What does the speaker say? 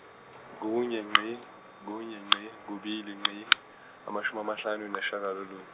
kunye ngqi kunye ngqi kubili ngqi amashumi amahlanu nesishagalolu-.